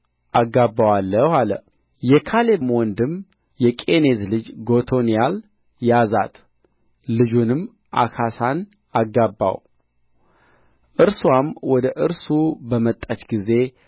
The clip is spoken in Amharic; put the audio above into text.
አጋባዋለሁ አለ የካሌብ ወንድም የቄኔዝ ልጅ ጎቶንያል ያዛት ልጁንም ዓክሳን አጋባው እርስዋም ወደ እርሱ በመጣች ጊዜ